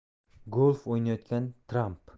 golf o'ynayotgan tramp